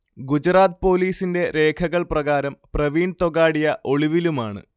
ഗുജറാത്ത് പോലീസിന്റെ രേഖകൾപ്രകാരം പ്രവീൺ തൊഗാഡിയ ഒളിവിലുമാണ്